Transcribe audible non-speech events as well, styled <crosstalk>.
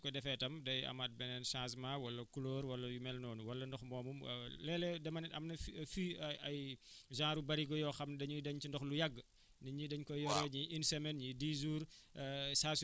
mais est que ndox moomu amna durée boo xam ne bi <hesitation> su ko defee tam day amaat beneen changement wala couleur wala yu mel noonu wala ndox moomu <hesitation> léeg-léeg dama ne am na si fii ay ay <breath> genre barigo yoo xam dañuy denc ndox lu yàgg nit ñi dañ koy